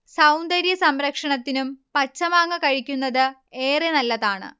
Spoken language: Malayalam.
സൗന്ദര്യ സംരക്ഷണത്തിനും പച്ചമാങ്ങ കഴിക്കുന്നത് ഏറെ നല്ലതാണ്